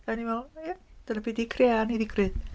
A o'n i'n meddwl, ia, dyna be ydy crea aniddigrwydd.